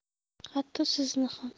hatto sizni ham